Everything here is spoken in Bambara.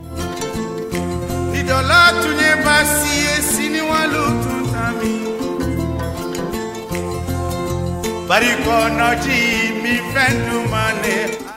Dɔla tun ye baasi ye sini walilu tun barikonaji min fɛn man